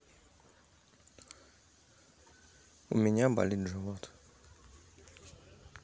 у меня болит живот